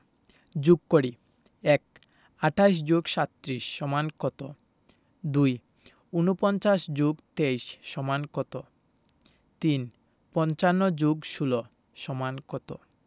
যোগ করিঃ ১ ২৮ + ৩৭ = কত ২ ৪৯ + ২৩ = কত ৩ ৫৫ + ১৬ = কত